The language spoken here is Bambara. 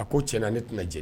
A ko cɛn na ne ti na jɛ